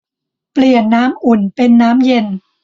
เปลี่ยนน้ำอุ่นเป็นน้ำเย็น